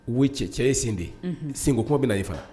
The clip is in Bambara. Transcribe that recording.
We cɛ cɛ ye sen de ye sinko kɔ bɛ na i faga